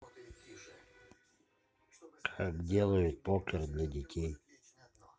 как делают покер для детей